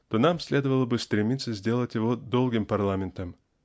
-- то нам следовало бы стремиться сделать его долгим парламентом